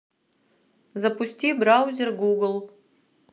запусти браузер google